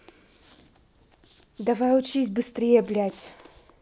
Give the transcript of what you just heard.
давай учись быстрее блядь